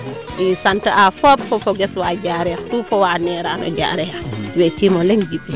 i sant a fop fo foges wa Diarekh tout fo wa nera o Diarekh weciimo leŋ Djiby